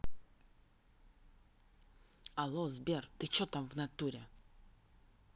алло сбер ты че там в натуре